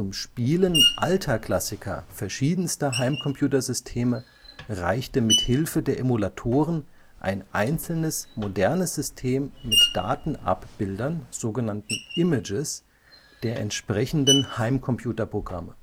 Spielen alter Klassiker verschiedenster Heimcomputersysteme reichte mithilfe der Emulatoren ein einzelnes modernes System mit Datenabbildern („ Images “) der entsprechenden Heimcomputerprogramme